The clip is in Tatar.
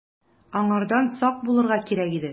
Аңардан сак булырга кирәк иде.